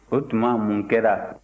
o tuma mun kɛra